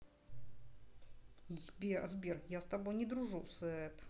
сбер я с тобой не дружу сет